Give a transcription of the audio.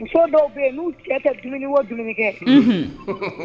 Muso dɔw bɛ yen n'u cɛ tɛ dumuni o dumuni kɛ, Unhun,